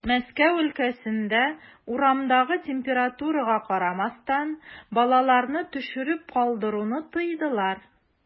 Мәскәү өлкәсендә, урамдагы температурага карамастан, балаларны төшереп калдыруны тыйдылар.